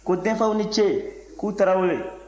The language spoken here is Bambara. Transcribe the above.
ko denfaw ni ce k'u tarawele